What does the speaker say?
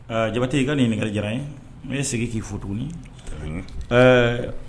Aa ,Jabate, i ka ɲininkali diyara n ye , n bɛ segin k'i fo tuguni, a ka di n ye, ɛɛ